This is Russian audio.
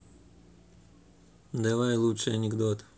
давай лучший анекдот